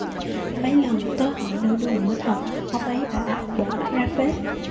mấy lần tớ hỏi nửa đùa nửa thật ông ấy bảo bổ mắt ra phết